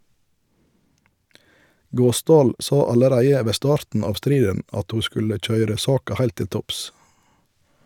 Gåsdal sa allereie ved starten av striden at ho skulle køyre saka heilt til topps.